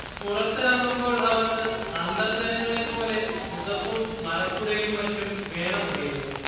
പുറത്തിറങ്ങുമ്പോൾ അവർക്ക് അന്തർജനങ്ങളെപ്പോലെ പുതപ്പും മറക്കുടയും മറ്റും വേണമായിരുന്നു